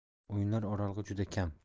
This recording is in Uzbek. o'yinlar oralig'i juda kam